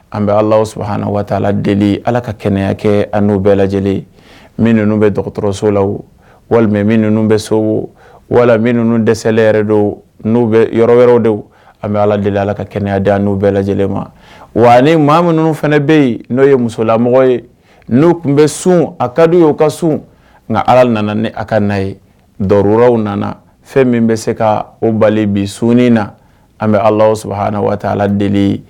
An bɛ ala sɔrɔhauna waa ala deli ala ka kɛnɛyakɛ ani n'u bɛɛ lajɛlen minnu bɛ dɔgɔtɔrɔso la o walima minnu minnu bɛ so o walima minnu dɛsɛ yɛrɛ don n' bɛ yɔrɔ wɛrɛw de an bɛ ala deli ala ka kɛnɛya d n'o bɛɛ lajɛlen ma wa ni maa minnu fana bɛ yen n'o ye musolamɔgɔ ye n'o tun bɛ sun a kadi o ka sun nka ala nana ni a ka na ye dɔwɔrɔraww nana fɛn min bɛ se ka o bali bi sun na an bɛ ala sɔrɔhauna waa ala deli ye